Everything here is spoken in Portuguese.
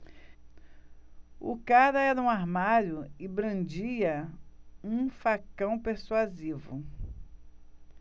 o cara era um armário e brandia um facão persuasivo